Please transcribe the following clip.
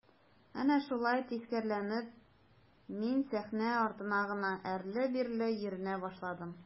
Әнә шулай тискәреләнеп мин сәхнә артында гына әрле-бирле йөренә башладым.